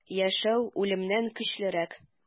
Яшәү үлемнән көчлерәк.